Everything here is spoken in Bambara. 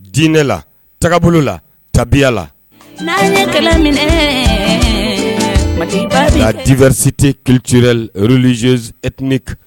Diinɛ la tagabolo la tabiya la la diversité culturelle religieuse ethnique